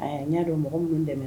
A n y'a dɔn mɔgɔ minnu dɛmɛ